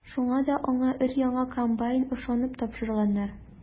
Шуңа да аңа өр-яңа комбайн ышанып тапшырганнар.